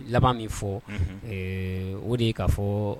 Laban min fɔ ɛɛ o de ka fɔ